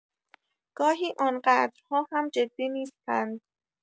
گاهی آن‌قدرها هم جدی نیستند.